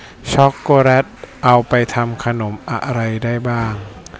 ช็อกโกแลตเอาไปทำขนมอะไรได้บ้าง